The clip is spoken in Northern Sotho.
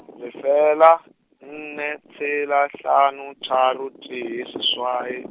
lefela, nne, tshela, hlano, tharo, tee, seswai.